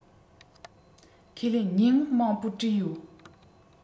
ཁས ལེན སྙན ངག མང པོ བྲིས ཡོད